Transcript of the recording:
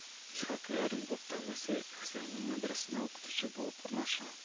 Исхакый оренбургтагы хөсәения мәдрәсәсенә укытучы булып урнаша